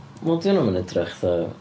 Wel dyn nhw'm yn edrych fatha...